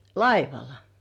laivalla